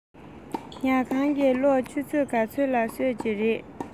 ཉལ ཁང གི གློག ཆུ ཚོད ག ཚོད ལ གསོད ཀྱི རེད